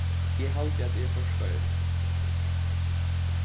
eg haldi at eg fór skeiv